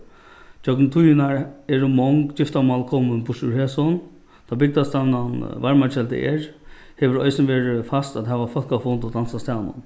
gjøgnum tíðirnar eru mong giftarmál komin burturúr hesum tá bygdarstevnan varmakelda er hevur eisini verið fast at hava fólkafund og dans á staðnum